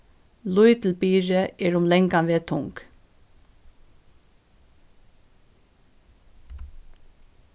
lítil byrði er um langan veg tung